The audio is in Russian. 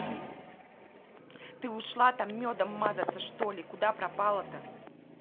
ты ушла там медом мазаться что ли куда пропала то